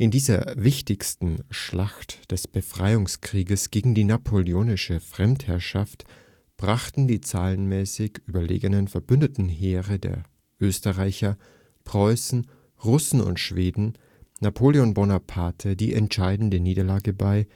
dieser wichtigsten Schlacht des Befreiungskrieges gegen die napoleonische Fremdherrschaft brachten die zahlenmäßig überlegenen verbündeten Heere der Österreicher, Preußen, Russen und Schweden Napoleon Bonaparte die entscheidende Niederlage bei